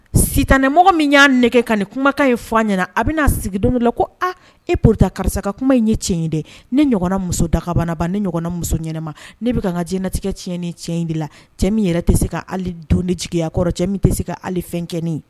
Sit nimɔgɔ min y'a nɛgɛ ka ni kumakan ye fɔ ɲɛna a bɛna'a sigi don la ko aa e pota karisa ka kuma in ɲɛ cɛ in dɛ ne ɲɔgɔn muso dakabana ban ne ɲɔgɔn muso ɲɛnama ne bɛ ka n ka jtigɛ tiɲɛn ni cɛ in de la cɛ min yɛrɛ tɛ se ka hali don ni jigiya kɔrɔ cɛ min tɛ se ka fɛn kɛi